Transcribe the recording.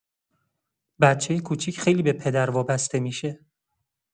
بچه کوچیک خیلی به پدر وابسته می‌شه.